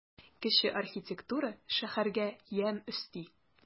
Кече архитектура шәһәргә ямь өсти.